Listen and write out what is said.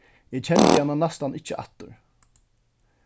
eg kendi hana næstan ikki aftur